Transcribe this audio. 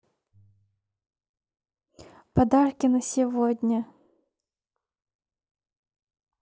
подарки на сегодня